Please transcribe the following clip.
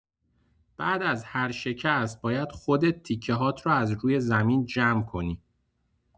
بعد از هر شکست باید خودت تیکه‌هات رو از روی زمین جمع کنی!